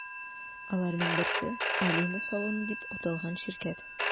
Аларның берсе – “Алина салоны” дип аталган ширкәт.